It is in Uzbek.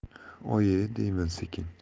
oyi deyman sekin